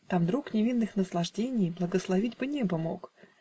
Там друг невинных наслаждений Благословить бы небо мог.